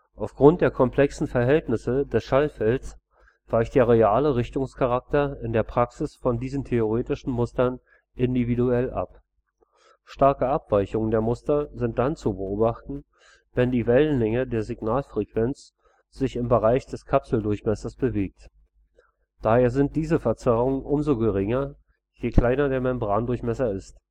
Aufgrund der komplexen Verhältnisse des Schallfelds weicht der reale Richtcharakter in der Praxis von diesen theoretischen Mustern individuell ab. Starke Abweichungen der Muster sind dann zu beobachten, wenn die Wellenlänge der Signalfrequenz sich im Bereich des Kapseldurchmessers bewegt. Daher sind diese Verzerrungen umso geringer, je kleiner der Membrandurchmesser ist